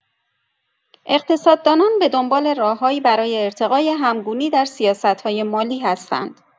اقتصاددانان به دنبال راه‌هایی برای ارتقای همگونی در سیاست‌های مالی هستند.